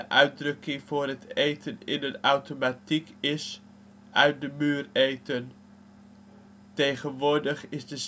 uitdrukking voor het eten in een automatiek is " uit de muur eten ". Tegenwoordig is de